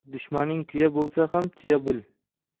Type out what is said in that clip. dushmaning kuya bo'lsa ham tuya bil